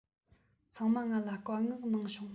ཚང མ ང ལ བཀའ མངགས གནང བྱུང